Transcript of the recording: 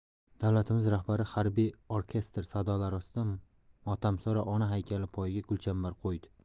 davlatimiz rahbari harbiy orkestr sadolari ostida motamsaro ona haykali poyiga gulchambar qo'ydi